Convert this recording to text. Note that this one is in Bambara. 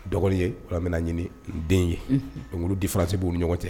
Dɔgɔnin ye tuma minna ɲini den ye n di fana se b'u ɲɔgɔn cɛ